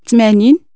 تمانين